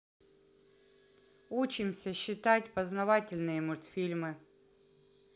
учимся считать познавательные мультфильмы